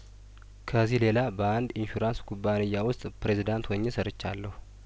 ከዚህ ሌላ በአንድ ኢንሹራንስ ኩባንያ ውስጥ ፕሬዚዳንት ሆኜ ሰርቻለሁ